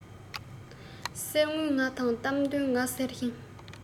གསེར དངུལ ང དང གཏམ དོན ང ཟེར ཞིང